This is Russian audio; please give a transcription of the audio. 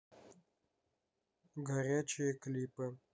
горячие клипы